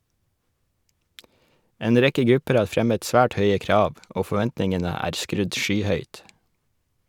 En rekke grupper har fremmet svært høye krav, og forventningene er skrudd skyhøyt.